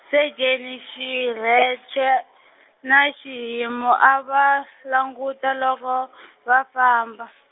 Sejeni Xirheche na Xihimu a va languta loko , va famba.